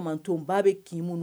Mantɔn ba bɛ k'iun